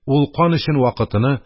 Ул кан өчен вакытыны,